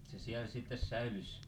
se siellä sitten säilyi